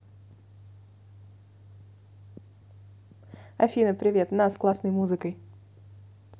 афина привет на с классной музыкой